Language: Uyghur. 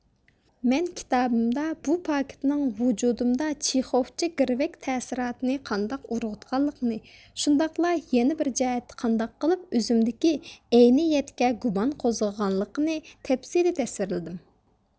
مەن كىتابىمدا بۇ پاكىتنىڭ ۋۇجۇدۇمدا چېخوفچە گىرۋەك تەسىراتىنى قانداق ئۇرغۇتقانلىقىنى شۇنداقلا يەنە بىر جەھەتتە قانداق قىلىپ ئۆزۈمدىكى ئەينىيەتكە گۇمان قوزغىغانلىقىنى تەپسىلىي تەسۋىرلىدىم